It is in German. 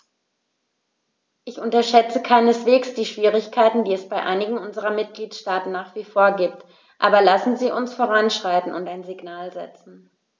Ich unterschätze keineswegs die Schwierigkeiten, die es bei einigen unserer Mitgliedstaaten nach wie vor gibt, aber lassen Sie uns voranschreiten und ein Signal setzen.